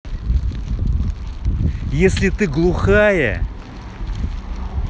если ты глухая